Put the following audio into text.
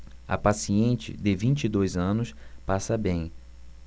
a paciente de vinte e dois anos passa bem